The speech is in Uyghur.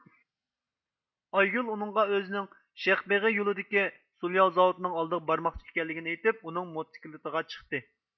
ئايگۈل ئۇنىڭغا ئۆزىنىڭ شېخبېغى يولىدىكى سۇلياۋ زاۋۇتىنىڭ ئالدىغا بارماقچى ئىكەنلىكىنى ئېيتىپ ئۇنىڭ موتسىكلىتىغا چىقتى